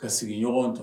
Ka sigiɲɔgɔn ta